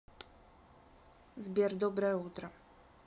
сбер доброе утро